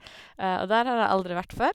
Og der har jeg aldri vært før.